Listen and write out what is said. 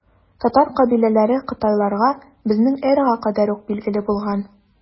Татар кабиләләре кытайларга безнең эрага кадәр үк билгеле булган.